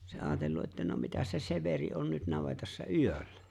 se ajatellut että no mitäs se Severi on nyt navetassa yöllä